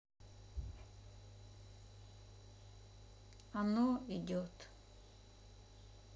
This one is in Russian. оно идет